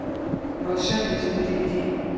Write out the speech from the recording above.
волшебница перейди